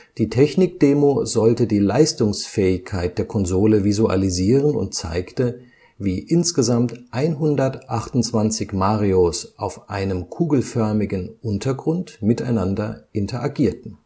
Die Technik-Demo sollte die Leistungsfähigkeit der Konsole visualisieren und zeigte, wie insgesamt 128 Marios auf einem kugelförmigen Untergrund miteinander interagierten